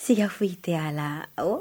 Siga foyi tɛ a la